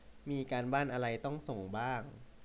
มีการบ้านอะไรต้องส่งบ้าง